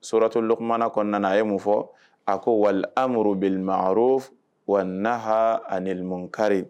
Suratu lukumana kɔɔna na a ye mun fɔ a ko wal amuru bil maaruf wan-nahaa anil munkarim